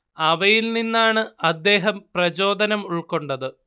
അവയിൽ നിന്നാണ് അദ്ദേഹം പ്രചോദനം ഉൾക്കൊണ്ടത്